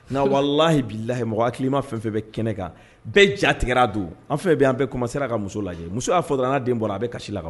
' walahi layi mɔgɔ a hakilii ma fɛn fɛn bɛ kɛnɛ kan bɛɛ jatigɛra a don an fɛn bɛ an bɛɛ kuma sera ka muso lajɛ muso y'a fɔ dɔrɔn n' den bɔra a bɛ kasi la kan